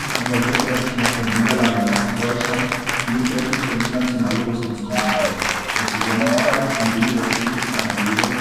engagierte er sich nach der Niederlage Nazi-Deutschlands vielfältig für internationale Rüstungskontrolle und Zusammenarbeit im Sinne des Titels einer Rede